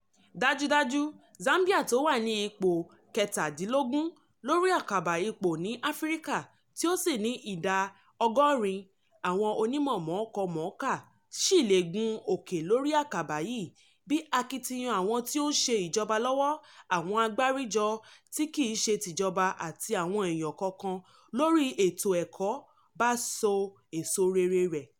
Dájúdájú, Zambia tó wà ní ipò 17 lórí akàbà ipò ní Áfíríkà tí ó sì ní ìdá 80 àwọn onímọ mọ̀ọ́kọ-mọ̀ọ́kà ṣì lè gún òkè lórí akàbà yìí bí akitiyan àwọn tó ń ṣe ìjọba lọ́wọ́, àwọ́n àgbáríjọ tí kìí ṣe tìjọba àti àwọn eèyàn kọọ̀kan lóri ètò ẹ̀kọ́ bá so èso rere.